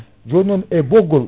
joni non e ɓoggol